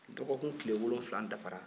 dɔgɔkun tile wolonwula dafara